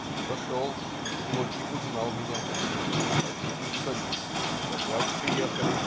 Вошел - плотник узнал меня: "Садитесь, садитесь, опять приехали".